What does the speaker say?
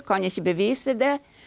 du kan ikke bevise det.